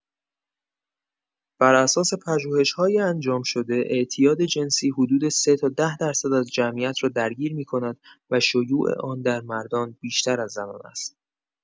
بر اساس پژوهش‌‌های انجام‌شده، اعتیاد جنسی حدود ۳ تا ۱۰ درصد از جمعیت را درگیر می‌کند و شیوع آن در مردان بیشتر از زنان است.